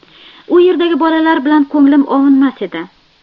bu yerdagi bolalar bilan ko'nglim ovunmas edi